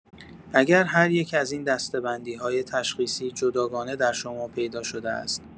اگر هریک از این دسته‌بندی‌های تشخیصی، جداگانه در شما پیدا شده است.